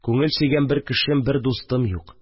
Күңел сөйгән бер кешем, бер дустым юк